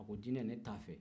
a ko dinɛ in ne t'a fɛ